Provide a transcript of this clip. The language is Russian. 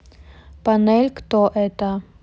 панель кто это